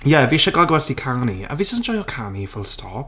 Ie, fi eisiau gael gwersi canu a fi jyst yn joio canu full stop.